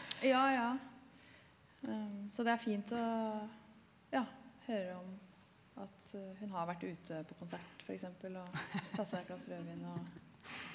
ja ja så det er fint å ja høre om at hun har vært ute på konsert f.eks. og tatt seg et glass rødvin og.